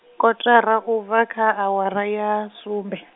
kotara ubva kha awara ya, sumbe.